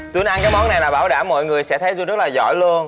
xưa nay cái món này là bảo đảm mọi người sẽ thấy tôi rất là giỏi luôn